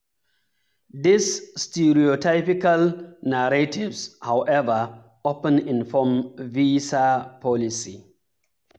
These stereotypical narratives, however, often inform visa policy: